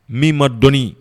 Min ma dɔɔnin